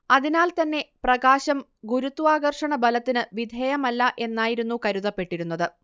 അതിനാൽത്തന്നെ പ്രകാശം ഗുരുത്വാകർഷണബലത്തിന് വിധേയമല്ല എന്നായിരുന്നു കരുതപ്പെട്ടിരുന്നത്